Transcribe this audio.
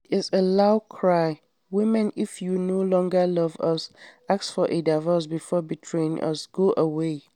It is a loud cry, women if you no longer love us ask for a divorce before betraying us, go away.